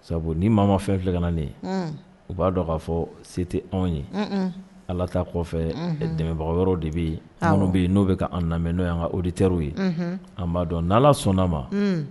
Sabu ni maa o maa fɛn o den kɛla ni ye . U b'a dɔn kaa fɔ se tɛ anw ye, unhun, Allah ta kɔfɛ, dɛmɛbagaw wɛrɛ de bɛ yen n'o bɛ an lamɛn n'o y'an ka auditeurs ye, unhun, an b'a dɔn ni Allah sɔnna'ma. Unhun